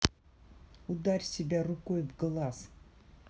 ударь себя рукой в глаз